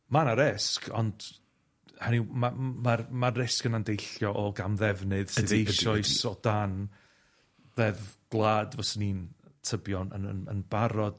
Ma' 'na risg, ond hynny yw ma' ma'r ma'r risg yna'n deillio o gamddefnydd eisoes o dan ddeddf gwlad fyswn i'n tybio'n yn yn yn barod.